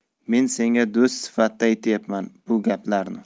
men senga do'st sifatida aytyapman bu gaplarni